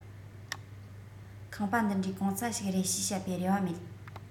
ཁང བ འདི འདྲའི གོང རྩ ཞིག རེད ཞེས བཤད པའི རེ བ མེད